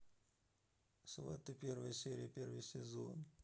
сваты первая серия первый сезон